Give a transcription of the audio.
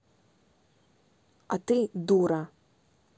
а ты дура